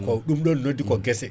ko ɗum ɗon noddi ko guesse